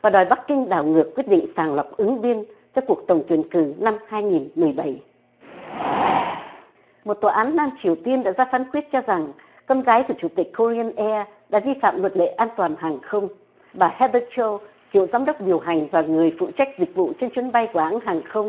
và đòi bắc kinh đảo ngược quyết định sàng lọc ứng viên cho cuộc tổng tuyển cử năm hai nghìn mười bảy một tòa án nam triều tiên đã ra phán quyết cho rằng con gái của chủ tịch cô ri ưn e đã vi phạm luật lệ an toàn hàng không bà hát đơ trô cho cựu giám đốc điều hành và người phụ trách dịch vụ trên chuyến bay của hãng hàng không